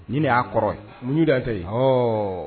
Nin de ya kɔrɔ ye. Muɲun de ya ta ye . Awɔɔ